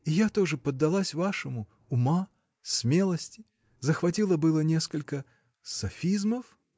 И я тоже поддавалась вашему: ума, смелости, захватила было несколько. софизмов.